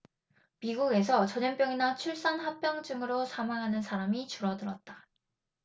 미국에서 전염병이나 출산 합병증으로 사망하는 사람이 줄어들었다